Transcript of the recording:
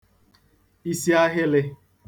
isiahịlị̄